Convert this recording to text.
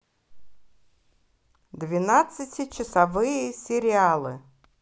двенадцати часовые сериалы